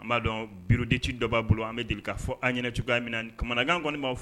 N b'a dɔn bureau d'étude dɔ b'a bolo an bɛ deli k'a fɔ a' ɲana cogoya min na, kamanagan kɔni baw f